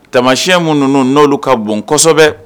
Tamasiyɛn munnu n'u n'olu ka bon kosɛbɛ